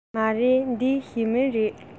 མ རེད འདི ཞི མི རེད